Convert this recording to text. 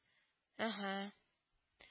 – эһе